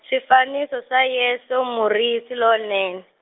swifaniso swa Yesu Morier se lonene.